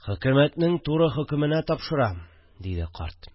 Хөкүмәтнең туры хөкеменә тапшырам, – диде карт